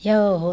joo